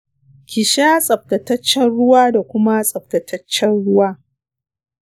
kisha tsaftataccen ruwa da kuma tafashashen ruwa.